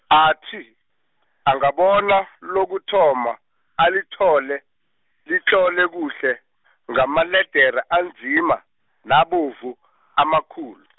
athi, angabona lokuthoma, alithole, litlolwe kuhle, ngamaledere anzima, nabovu, amakhulu .